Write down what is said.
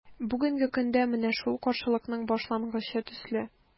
Бүгенге көндә – менә шул каршылыкның башлангычы төсле.